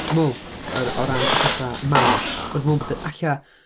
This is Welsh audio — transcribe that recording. dwi meddwl, yr, o ran y pethau mawr, oherwydd dwi meddwl bod, alla,